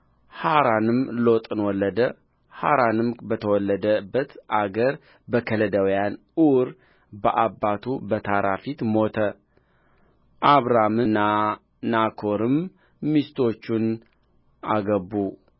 ሐራንም ሎጥን ወለደ ሐራንም በተወለደበት አገር በከለዳውያን ዑር በአባቱ በታራ ፊት ሞተ አብራምና ናኮርም ሚስቶችን አገቡ